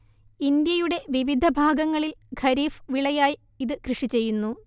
ഇന്ത്യയുടെ വിവിധ ഭാഗങ്ങളിൽ ഖരീഫ് വിളയായി ഇത് കൃഷിചെയ്യുന്നു